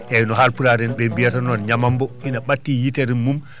eyyi no halpulaar en ɓe mbiyata noon ñamambo ina ɓatti yitere